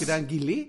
Gyda'n gily.